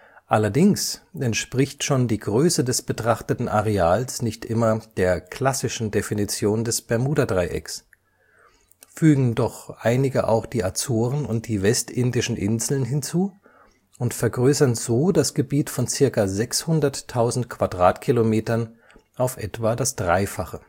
Allerdings entspricht schon die Größe des betrachteten Areals nicht immer der „ klassischen “Definition des Bermudadreiecks, fügen doch einige auch die Azoren und die Westindischen Inseln hinzu und vergrößern so das Gebiet von ca. 600.000 Quadratkilometern auf etwa das Dreifache